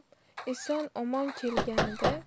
tog'am eson omon kelganida